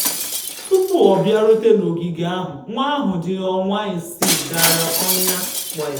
Tụpụ ọ bịarute n'ogige ahụ, nwa ahụ dị ọnwa isii dara n'ọnyà waya.